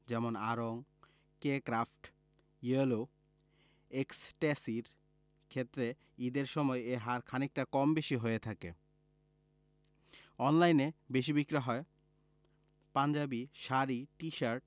যেমন আড়ং কে ক্র্যাফট ইয়েলো এক্সট্যাসির ক্ষেত্রে ঈদের সময় এ হার খানিকটা কম বেশি হয়ে থাকে অনলাইনে বেশি বিক্রি হয় পাঞ্জাবি শাড়ি টি শার্ট